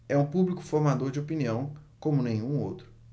é um público formador de opinião como nenhum outro